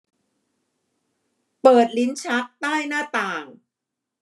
เปิดลิ้นชักใต้หน้าต่าง